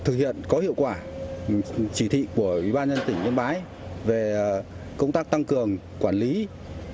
thực hiện có hiệu quả chỉ thị của ủy ban nhân tỉnh yên bái về công tác tăng cường quản lý